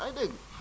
yaa ngi dégg